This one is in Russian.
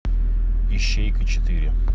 ищейка четыре